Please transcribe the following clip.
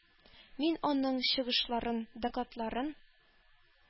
Мин аның чыгышларын, докладларын,